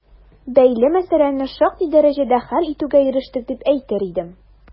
Бәйле мәсьәләне шактый дәрәҗәдә хәл итүгә ирештек, дип әйтер идем.